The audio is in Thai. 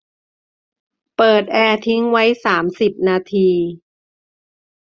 เปิดแอร์ทิ้งไว้สามสิบนาที